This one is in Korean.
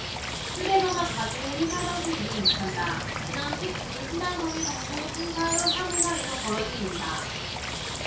휴대전화 가지고 회사 화장실 이용 못한다 지난 십 구 일 후난성의 성도 창사의 한 회사에서 벌어진 일이다